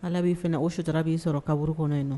Ala b'i fana o sutara b'i sɔrɔ kaburu kɔnɔ yen nɔ